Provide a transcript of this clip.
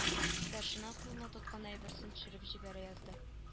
Старшина кулына тоткан әйберсен төшереп җибәрә язды